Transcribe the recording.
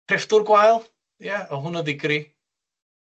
Crefftwr gwael, ia, ma' hwnna ddigri.